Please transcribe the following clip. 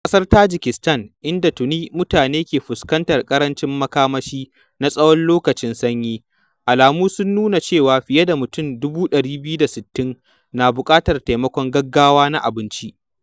A ƙasar Tajikistan, inda tuni mutane ke fuskantar ƙarancin makamashi na tsawon lokacin sanyi, alamu sun nuna cewa fiye da mutum 260,000 na buƙatar taimakon gaggawa na abinci.